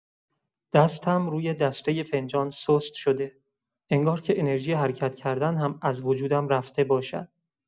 دستم روی دستۀ فنجان سست شده، انگار که انرژی حرکت‌کردن هم از وجودم رفته باشد.